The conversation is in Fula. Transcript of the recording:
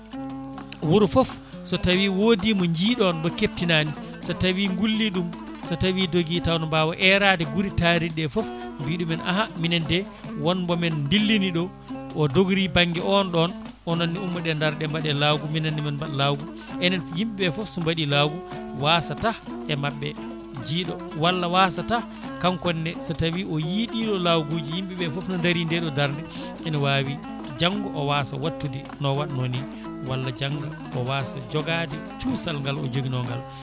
wuuro foof so tawi woodi mo jiiɗon mo kebtinani so gulli ɗum so tawi doogui taw ne mbawa eerade guure taariɗe ɗe foof mbiya ɗumen ahan minen de won momin dillini ɗo o dogori banggue on ɗon ononne ummoɗe daaroɗe baaɗe lawgu minenne min mbaɗa lawgu enen yimɓeɓe foof so mbaɗi lawgu wasata e mabɓe jiiɗo wallla wasata kankonne so tawi o yii ɗiɗo lawguji yimɓeɓe foof ne daari nde ɗo darde ene wawi janggo o wasa wattude no waatno ni walla janggo o wasa jogade cuusal ngal o joguio ngal